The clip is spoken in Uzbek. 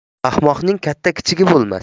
ahmoqning katta kichigi bo'lmas